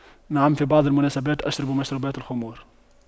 نعم في بعض المناسبات أشرب مشروبات الخمور